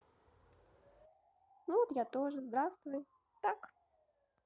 ну вот я тоже здравствуй так